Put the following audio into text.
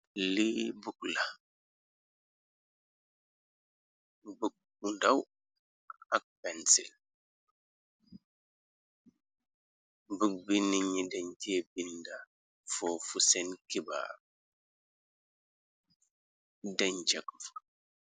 Lii buk la bëk bu ndaw ak pensil buk bi niñi dañ ce binda foofu seen kibaar dañ jakf.